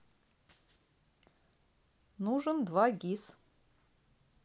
нужен 2gis